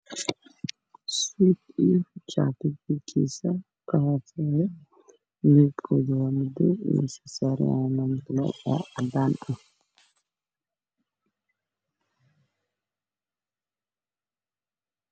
Halkaan waxaa ka muuqdo jaakad madaw dhulkana waa cadaan